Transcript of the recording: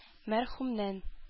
Мәрхүмнән